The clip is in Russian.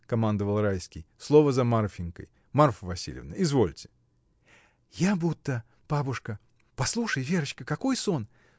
— командовал Райский, — слово за Марфинькой: Марфа Васильевна, извольте! — Я будто, бабушка. Послушай, Верочка, какой сон!